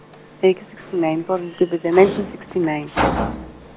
nineteen sixty nine four , nineteen sixty nine.